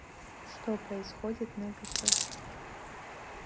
что происходит на гф